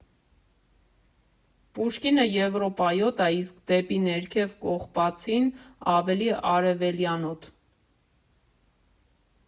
Պուշկինը եվրոպայոտ ա, իսկ դեպի ներքև՝ Կողբացին, ավելի արևելյանոտ։